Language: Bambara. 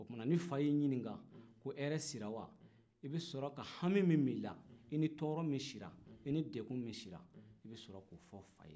o tuma ni fa y'i ɲininkan ko hɛrɛ sili wa i bɛ sɔrɔ ka hami b'i la i ni tɔɔrɔ min sila i ni degu min sila i bɛ sɔrɔ k'o fɔ fa ye